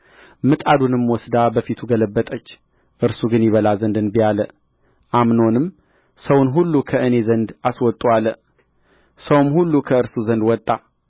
ምጣዱንም ወስዳ በፊቱ ገለበጠች እርሱ ግን ይበላ ዘንድ እንቢ አለ አምኖንም ሰውን ሁሉ ከእኔ ዘንድ አስወጡ አለ ሰውም ሁሉ ከእርሱ ዘንድ ወጣ